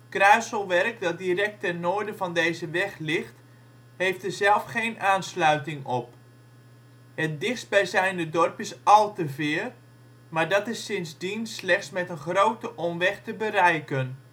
Kruiselwerk dat direct ten noorden van deze weg ligt heeft er zelf geen aansluiting op. Het dichtstbijzijnde dorp is Alteveer, maar dat is sindsdien slechts met een grote omweg te bereiken